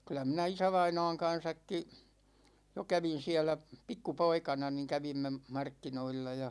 kyllä minä isävainaan kanssakin jo kävin siellä pikkupoikana niin kävimme markkinoilla ja